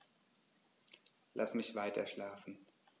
Lass mich weiterschlafen.